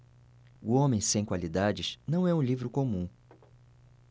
o homem sem qualidades não é um livro comum